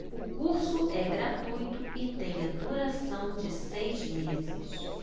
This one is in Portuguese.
o curso é gratuito e tem a duração de seis meses